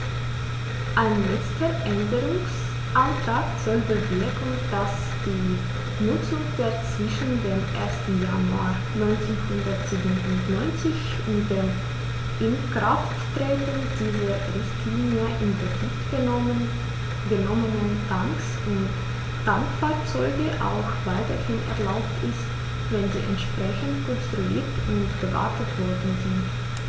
Ein letzter Änderungsantrag soll bewirken, dass die Nutzung der zwischen dem 1. Januar 1997 und dem Inkrafttreten dieser Richtlinie in Betrieb genommenen Tanks und Tankfahrzeuge auch weiterhin erlaubt ist, wenn sie entsprechend konstruiert und gewartet worden sind.